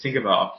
tigofo